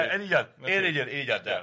Yn union, yn union, yn union 'de.